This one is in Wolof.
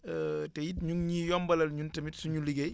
te it ñu ngi ñuy yombalal ñun tamit suñu liggéey